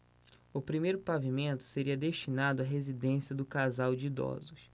o primeiro pavimento seria destinado à residência do casal de idosos